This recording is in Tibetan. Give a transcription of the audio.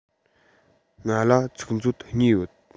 ང ལ ཚིག མཛོད གཉིས ཡོད